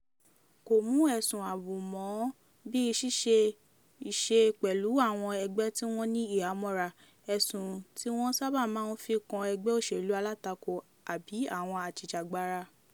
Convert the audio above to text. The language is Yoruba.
Kò mú ẹ̀sùn ààbò mọ́ ọ, bíi ṣíṣe iṣẹ́ pẹ̀lú àwọn ẹgbẹ́ tí wọ́n ní ìhámọ́ra — ẹ̀sùn tí wọ́n sábà máa ń fi kan ẹgbẹ́ òṣèlú alátakò àbí àwọn ajìjàgbara.